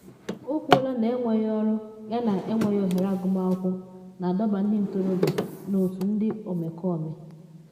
O kwuola na enweghị ọrụ yana enweghị ohere agụmakwụkwọ na adọba ndị ntorobịa n’otu ndị omekome.